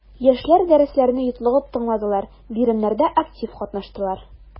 Яшьләр дәресләрне йотлыгып тыңладылар, биремнәрдә актив катнаштылар.